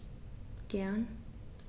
Gern.